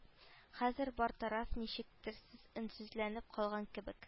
Хәзер бар тараф ничектер өнсезләнеп калган кебек